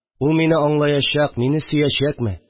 Ул мине аңлаячак, мине сөячәкме